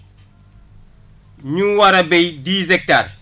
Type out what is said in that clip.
ñu war a béy dix hectares